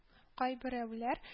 Кайберәүләр